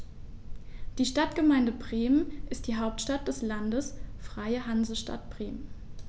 Die Stadtgemeinde Bremen ist die Hauptstadt des Landes Freie Hansestadt Bremen.